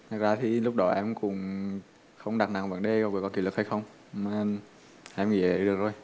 thực ra thì lúc đó em cũng không đặt nặng vấn đề vượt qua kỉ lục hay không mà em nghĩ đấy được rồi